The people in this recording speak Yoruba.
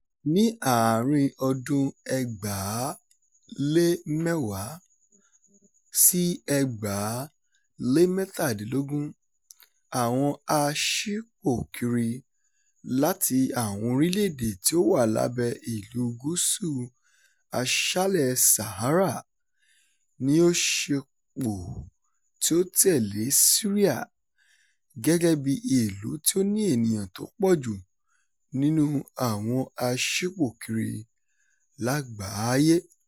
Ni àárín-n ọdún-un 2010-2017, àwọn aṣípòkiri láti àwọn orílẹ̀-èdè tí ó wà lábẹ́ Ìlú Gúúsù Aṣálẹ̀ Sahara ni ó ṣepò tí ó tẹ̀lé Syria gẹ́gẹ́ bí ìlú tí ó ní ènìyàn tó pọ̀ jù nínú àwọn aṣípòkiri lágbàáyé.